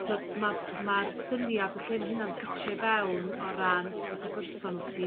t'od ma' ma'r syniad o lle ma' huna'n ffitio i fewn o ran su math o berson w't ti